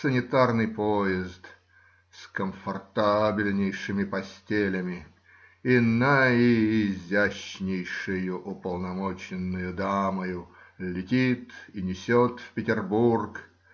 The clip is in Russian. Санитарный поезд с комфортабельнейшими постелями и наиизящнейшею уполномоченною дамою летит и несет в Петербург.